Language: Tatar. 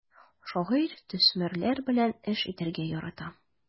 Шагыйрь төсмерләр белән эш итәргә ярата.